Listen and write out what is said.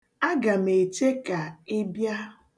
Aga m eche ka ị bịa.